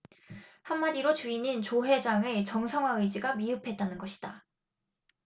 한마디로 주인인 조 회장의 정상화 의지가 미흡했다는 것이다